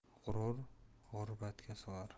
g'urur g'urbatga solar